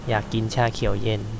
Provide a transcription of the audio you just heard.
อยากกินชาเขียวเย็น